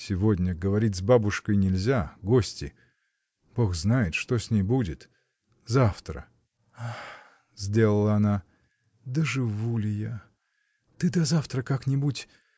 — Сегодня говорить с бабушкой нельзя: гости! Бог знает, что с ней будет! Завтра! — Ах! — сделала она, — доживу ли я? Ты до завтра как-нибудь.